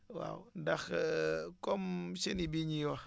waaw ndax comme chenille bii ñuy wax